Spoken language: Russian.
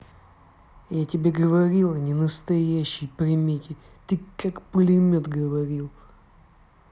я тебе говорила не настоящий примете ты как пулемет говорил